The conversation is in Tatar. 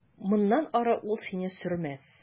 Моннан ары ул сине сөрмәс.